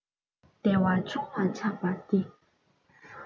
བདེ བ ཆུང ལ ཆགས པ དེས